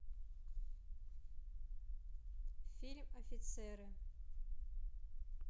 фильм офицеры